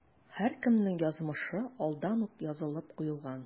Һәркемнең язмышы алдан ук язылып куелган.